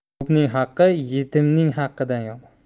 ko'pning haqi yetimning haqidan yomon